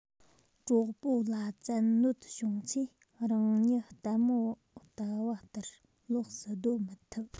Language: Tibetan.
གྲོགས པོ ལ བཙན གནོད བྱུང ཚེ རང ཉིད ལྟད མོ ལྟ བ ལྟར ལོགས སུ སྡོད མི ཐུབ